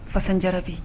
Fasandibi